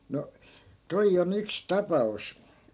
no tuo on yksi tapaus